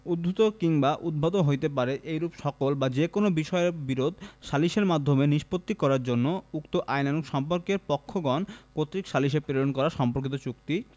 উদ্ভুত কিংবা উদ্ভব হইতে পারে এইরূপ সকল বা যে কোন বিষয়ের বিরোধ সালিসের মাধ্যমে নিষ্পত্তি করার জন্য উক্ত আইনানুগ সম্পর্কের পক্ষগণ কর্তৃক সালিসে প্রেরণ করা সম্পর্কিত চুক্তি